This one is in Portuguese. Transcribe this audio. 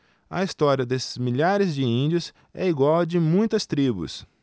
a história desses milhares de índios é igual à de muitas tribos